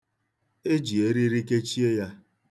E ji eriri kechie ya.